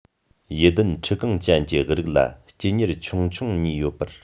ཡུ ལྡན འཁྲིལ རྐང ཅན གྱི རིགས ལ སྐྱི གཉེར ཆུང ཆུང གཉིས ཡོད པར